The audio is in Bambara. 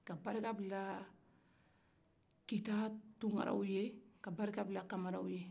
ka barika bila kita tunkaraw ye ka barika bila kamaraw ye